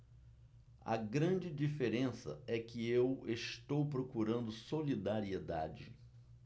a grande diferença é que eu estou procurando solidariedade